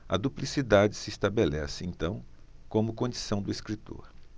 a duplicidade se estabelece então como condição do escritor